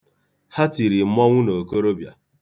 Ha tiri mmọnwụ n'okorobịa.